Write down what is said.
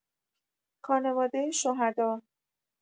خانواده شهدا